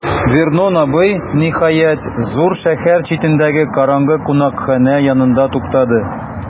Вернон абый, ниһаять, зур шәһәр читендәге караңгы кунакханә янында туктады.